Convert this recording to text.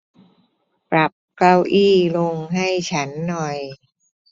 ปรับเก้าอี้ลงให้ฉันหน่อย